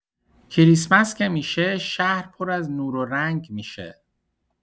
کریسمس که می‌شه، شهر پر از نور و رنگ می‌شه.